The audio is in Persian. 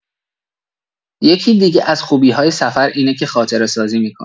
یکی دیگه از خوبی‌های سفر اینه که خاطره‌سازی می‌کنی.